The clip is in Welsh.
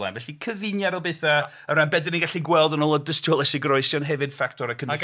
Felly cyfuniad o bethau, o ran be dan ni'n gallu gweld yn ôl y dystiolaeth sy'n goroesi ond hefyd ffactorau cymdeithas-